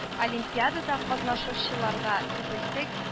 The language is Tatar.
Олимпиадада катнашучыларга күбесе